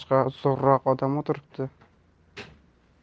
zo'rroq odam o'tiribdi